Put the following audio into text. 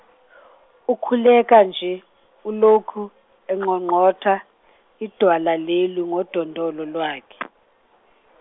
ukhuleka nje, ulokhu, enqonqotha, idwala leli ngodondolo lwakhe .